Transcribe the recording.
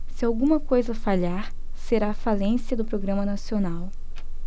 se alguma coisa falhar será a falência do programa nacional